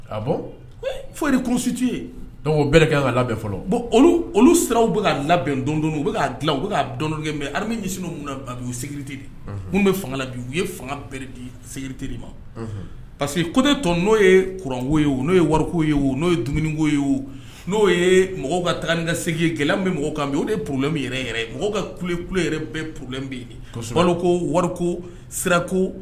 Labɛn labɛn don u u' dɔn de kun bɛ fanga bi u ye bere di seg te ma parce que ko ne tɔ n'o ye kko ye o n'o ye wariku ye o n'o ye dumuniko ye o n'o ye mɔgɔw ka taga ni ka seg gɛlɛn min mɔgɔ kan o ye purlen min mɔgɔ kale ku yɛrɛ bɛ purlen bɛ ko wariko sirako